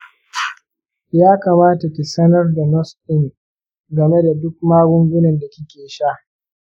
ya kamata ki sanar da nas ɗin game da duk magungunan da kike sha.